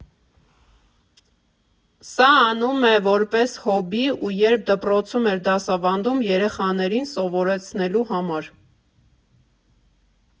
Սա անում է որպես հոբբի և երբ դպրոցում էր դասավանդում երեխաներին սովորեցնելու համար։